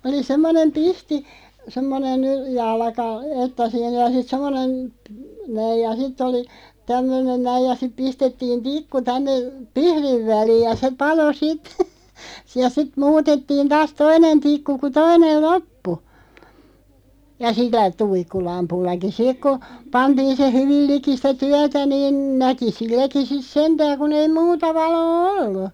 oli semmoinen pihti semmoinen jalka että siinä ja sitten semmoinen - näin ja sitten oli tämmöinen näin ja sitten pistettiin tikku tänne pihdin väliin ja se paloi sitten ja sitten muutettiin taas toinen tikku kun toinen loppui ja sillä tuikkulampullakin sitten kun pantiin se hyvin liki sitä työtä niin näki silläkin sitten sentään kun ei muuta valoa ollut